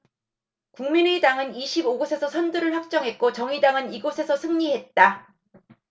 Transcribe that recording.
국민의당은 이십 오 곳에서 선두를 확정했고 정의당은 이 곳에서 승리했다